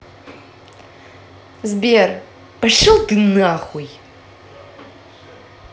сбер пошел ты нахуй